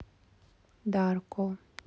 darko